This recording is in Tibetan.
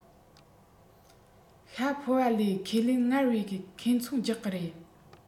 ཤྭ ཕོ བ ལས ཁས ལེན སྔར བས ཁེ ཚོང རྒྱག གི རེད